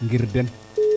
ngirden